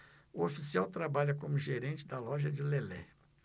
o oficial trabalha como gerente da loja de lelé